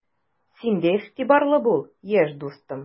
Син дә игътибарлы бул, яшь дустым!